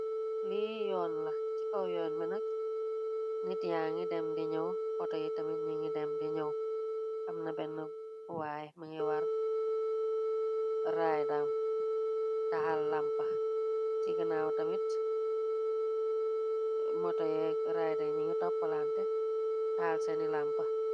Lii yoon la ci kaw yoon bi nak nit yaa ngi dem di ñyuw outo yi tamit ñyi ngi dem di ñyuw am na benna waay mi ngi war raidam taxal làmpa ci ginaaw tamit motoyek ryda nyi gi toppalante taxal seeni làmpa.